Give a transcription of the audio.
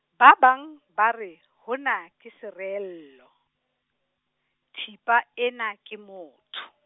ba bang , ba re, hona, ke sereello, thipa ena ke motho.